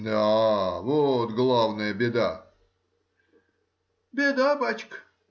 — Да; вот главная беда! — Беда, бачка.